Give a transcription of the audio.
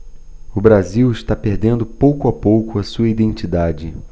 o brasil está perdendo pouco a pouco a sua identidade